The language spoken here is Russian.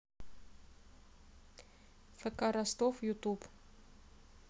фк ростов ютуб